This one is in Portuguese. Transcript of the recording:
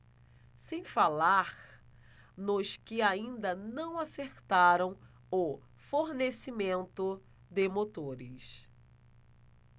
sem falar nos que ainda não acertaram o fornecimento de motores